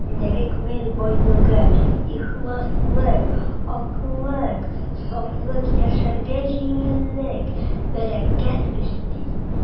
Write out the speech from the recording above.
Синдәге күңел байлыгы, ихласлык, аклык, сафлык яшәргә җиңеллек, бәрәкәт өсти.